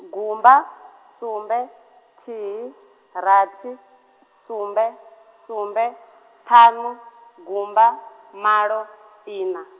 gumba, sumbe, thihi, rathi, sumbe, sumbe, ṱhanu, gumba, malo, ina.